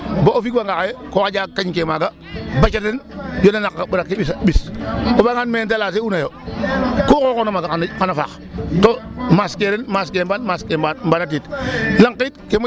Bo o figwanga xaye ko xaƴa kañ ke maaga baca den yonda naqa ɓora ke ɓis o fi'angaan mene ta lancer una yo ku xooxoona maaga xan a faax to maaskee ren maskee mbaan maaskee mbaanatit.